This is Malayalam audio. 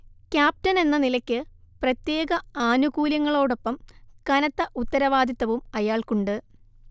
ക്യാപ്റ്റനെന്ന നിലയ്ക്ക് പ്രത്യേക ആനുകൂല്യങ്ങളോടൊപ്പം കനത്ത ഉത്തരവാദിത്തവും അയാൾക്കുണ്ട്